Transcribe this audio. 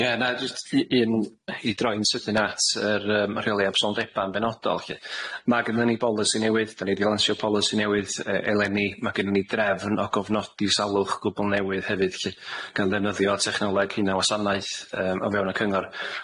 Ie 'na jyst u- un i droi'n sydyn at yr yym rheoli absondeba yn benodol 'lly ma' gynnon ni bolisi newydd, da ni 'di lansio polisi newydd yy eleni ma' gynnon ni drefn o gofnodi salwch gwbwl newydd hefyd 'lly, gan ddefnyddio technoleg hunanwasanaeth yym o fewn y cyngor.